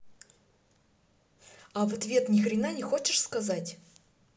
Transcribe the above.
а в ответ ни хрена не хочешь сказать